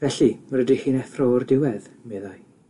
felly rydych chi'n effro o'r diwedd meddai.